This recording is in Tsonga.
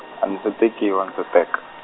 a ni se tekiwa andzi teka.